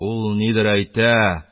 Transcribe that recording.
Ул нидер әйтә,